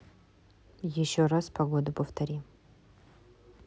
еще раз погоду повтори